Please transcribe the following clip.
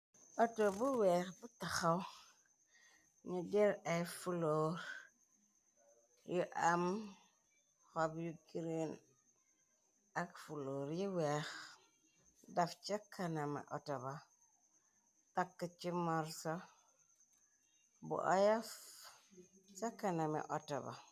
Auta bu weex bu taxaw, ñu jel ay fuloor yu am xob yu gireen ak fulor yi weex daf ca kanami auto ba. Tàkki ci morr soo bu oyaf ca kanami auto ba.